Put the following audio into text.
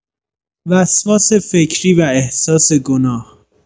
وسواس فکری و احساس گناه